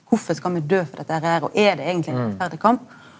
kvifor skal me døy for dette herne her og er det eigentleg ein rettferdig kamp?